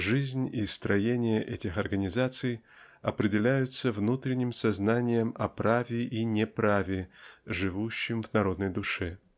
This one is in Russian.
Жизнь и строение этих организаций определяются внутренним сознанием о праве и не праве живущим в народной душе.